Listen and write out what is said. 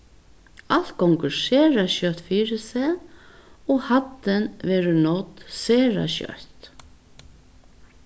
alt gongur sera skjótt fyri seg og hæddin verður nádd sera skjótt